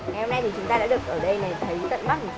ngày hôm nay thì chúng ta đã được ở đây này thấy tận mắt